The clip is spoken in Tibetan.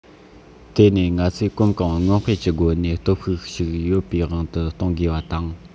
དེ ནས ང ཚོས གོམ གང སྔོན སྤོས ཀྱི སྒོ ནས སྟོབས ཤུགས ཤིག ཡོད པའི དབང དུ གཏོང དགོས པ དང